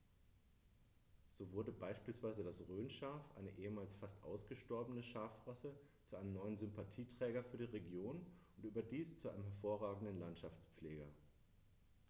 So wurde beispielsweise das Rhönschaf, eine ehemals fast ausgestorbene Schafrasse, zu einem neuen Sympathieträger für die Region – und überdies zu einem hervorragenden Landschaftspfleger.